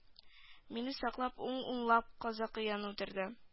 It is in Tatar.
Мине саклап ул унлап казаякны үтерде